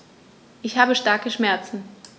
Ich habe starke Schmerzen.